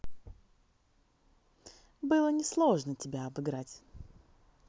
было не сложно тебя обыграть